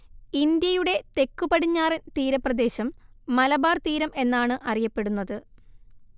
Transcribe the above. ഇന്ത്യയുടെ തെക്കുപടിഞ്ഞാറൻ തീരപ്രദേശം മലബാർ തീരം എന്നാണ് അറിയപ്പെടുന്നത്